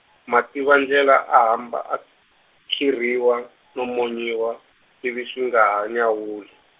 Mativandlela a hamba a, khirhiwa no monyiwa, ivi swi nga ha nyawuli.